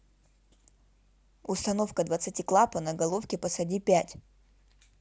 установка двадцати клапана головки посади пять